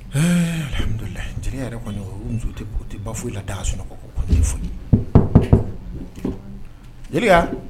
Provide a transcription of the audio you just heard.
Hadu la jeliya yɛrɛ muso tɛ tɛ ba fo la'a sunɔgɔ foli